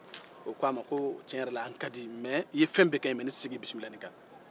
o k'a ma ko tiɲɛ yɛrɛ la an kadi mɛ i ye fɛn bɛɛ kɛ n ye mɛ ne tɛ se k'i bisimila ni kan